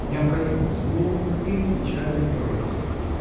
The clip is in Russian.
необходимым злом или печальной прозой.